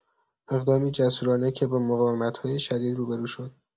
اقدامی جسورانه که با مقاومت‌های شدید روبه‌رو شد.